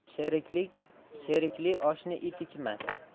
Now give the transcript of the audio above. sherikli oshni it ichmas